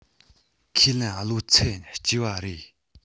ཁས ལེན བློ འཚབ སྐྱེ བ རེད